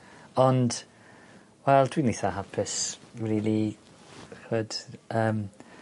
Ond wel dwi'n itha hapus rili ch'od yym